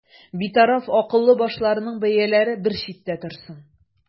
Битараф акыллы башларның бәяләре бер читтә торсын.